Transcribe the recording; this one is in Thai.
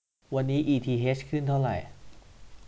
วันนี้อีทีเฮชขึ้นเท่าไหร่